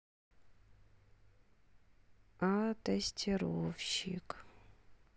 а тестировщик